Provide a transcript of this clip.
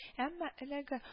Әмма эләге